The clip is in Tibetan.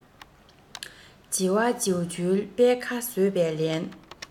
བྱི བ བྱིའུ འཇོལ པད ཁ ཟོས པས ལན